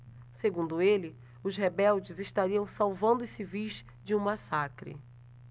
segundo ele os rebeldes estariam salvando os civis de um massacre